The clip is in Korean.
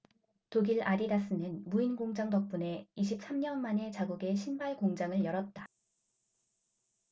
독일 아디다스는 무인공장 덕분에 이십 삼 년 만에 자국에 신발공장을 열었다